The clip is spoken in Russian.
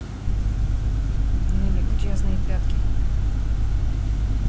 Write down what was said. нелли грязные пятки